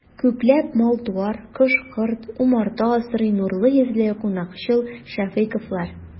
Күпләп мал-туар, кош-корт, умарта асрый нурлы йөзле, кунакчыл шәфыйковлар.